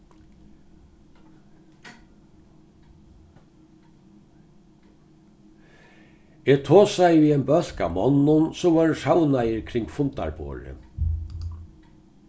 eg tosaði við ein bólk av monnum sum vóru savnaðir kring fundarborðið